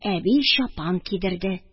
Әби чапан кидерде.